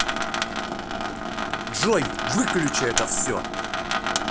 джой выключи это все